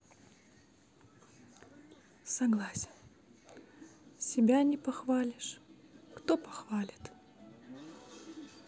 согласен себя не похвалишь кто похвалит